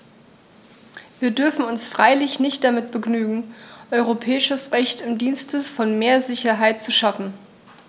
Wir dürfen uns freilich nicht damit begnügen, europäisches Recht im Dienste von mehr Sicherheit zu schaffen.